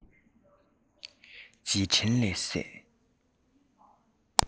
རྗེས དྲན ལས སད